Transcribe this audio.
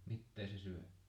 mitä se syö